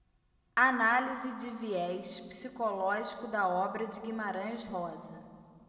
análise de viés psicológico da obra de guimarães rosa